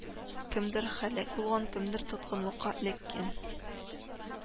Кемдер һәлак булган, кемдер тоткынлыкка эләккән